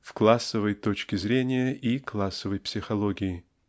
в "классовой" точке зрения и классовой психологии.